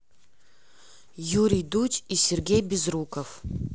юрий дудь и сергей безруков